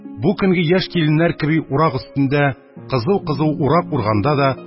Бу көнге яшь киленнәр кеби, урак өстендә кызу-кызу урак урганда да,